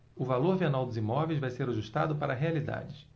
o valor venal dos imóveis vai ser ajustado para a realidade